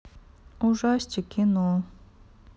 ужастик кино